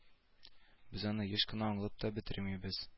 Без аны еш кына аңлап та бетермибез